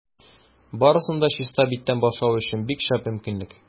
Барысын да чиста биттән башлау өчен бик шәп мөмкинлек.